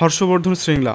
Harsh Vardhan Shringla